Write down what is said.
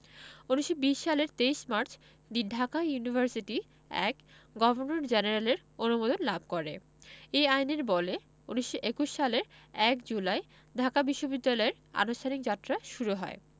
১৯২০ সালের ২৩ March the Dhaka University Act governor জেনারেলের অনুমোদন লাভ করে এ আইনের বলে ১৯২১ সালের ১ জুলাই ঢাকা বিশ্ববিদ্যালয়ের আনুষ্ঠানিক যাত্রা শুরু হয়